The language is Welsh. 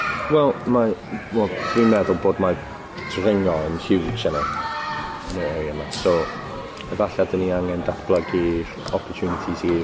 Wel mae m- wel dwi'n meddwl bod mai dringo yn hiwj yn yr area 'ma so efalle 'dan ni angen datblygu'r opportunities i'r